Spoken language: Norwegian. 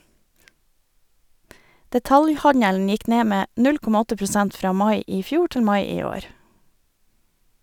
Detaljhandelen gikk ned med 0,8 prosent fra mai i fjor til mai i år.